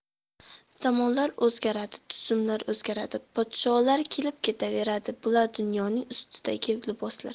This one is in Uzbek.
zamonlar o'zgaradi tuzumlar o'zgaradi podsholar kelib ketaberadi bular dunyoning ustidagi liboslar